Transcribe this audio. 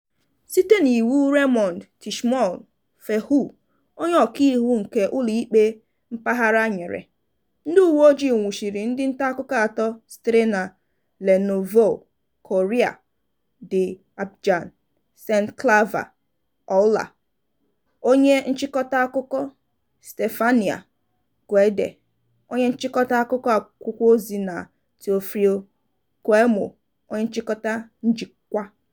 Site n'iwu Raymond Tchimou Fehou, onye Ọkaiwu nke ụlọikpe mpaghara nyere, ndị Uweojii nwụchiri ndị ntaakụkọ atọ sitere na Le Nouveau Courrier d'Abidjan, Saint Claver Oula, onye nchịkọta akụkọ, Steéphane Guédé, onye nchịkọta akụkọ akwụkwọozi na Théophile Kouamouo, onye nchịkọta njikwa.